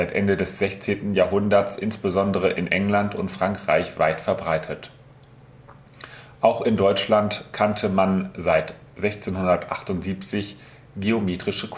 Ende des 16. Jahrhunderts insbesondere in England und Frankreich weit verbreitet. Auch in Deutschland kannte man seit 1678 geometrische